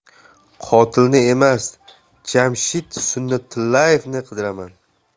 qotilni emas jamshid sunnatullaevni qidiraman